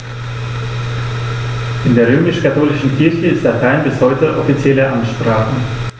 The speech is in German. In der römisch-katholischen Kirche ist Latein bis heute offizielle Amtssprache.